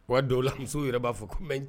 Wa dɔw la muso yɛrɛ b'a fɔ ko